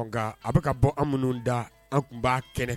A bɛ bɔ minnu da an tun b' kɛnɛ